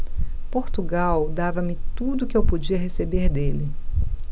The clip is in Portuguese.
portugal dava-me tudo o que eu podia receber dele